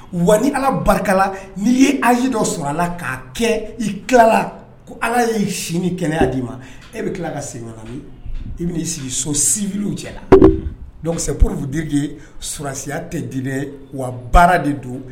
Wa ni ala barika n'i ye az dɔ sɔrɔ la k'a kɛ i kala ko ala ye'i sini kɛnɛya d'i ma e bɛ tila ka se ɲɛna i bɛ'i sigi so sivw cɛla la se porofude sɔsiya tɛ di wa baara de don